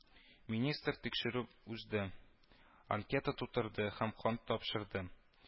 Министр тикшерү узды, анкета тутырды һәм кан тапшырды